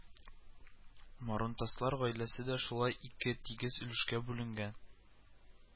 Марунтаслар гаиләсе дә шулай ике тигез өлешкә бүленгән